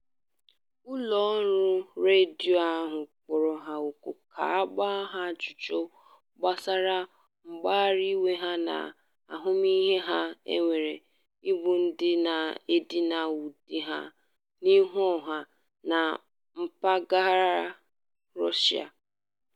Ụlọọrụ redio ahụ kpọrọ ha òkù ka a gbaa ha ajụjụọnụ gbasara ngagharị iwe ha na ahụmịhe ha nwere ịbụ ndị na-edina ụdị ha n'ihu ọha na mpaghara Russia.